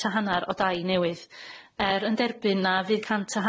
a hannar o dai newydd. Er yn derbyn na fydd cant a